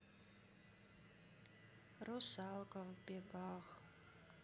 русалка в бегах